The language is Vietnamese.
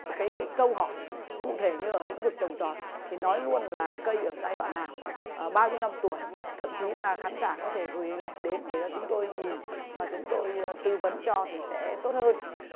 cái cái câu hỏi cụ thể như ở lĩnh vực trồng trọt thì nói luôn là cây ở giai đoạn nào à bao nhiêu năm tuổi thậm chí là khán giả có thể gửi hình ảnh đến để cho chúng tôi nhìn và chúng tôi tư vấn cho thì sẽ tốt hơn